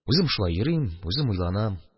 Үзем шулай йөрим, үзем уйланам